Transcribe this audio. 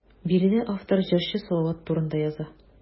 Биредә автор җырчы Салават турында яза.